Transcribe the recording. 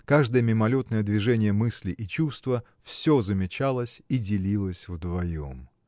каждое мимолетное движение мысли и чувства – все замечалось и делилось вдвоем.